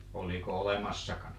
oliko olemassakaan